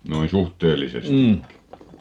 noin suhteellisestikin